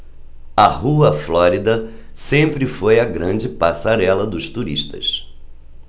a rua florida sempre foi a grande passarela dos turistas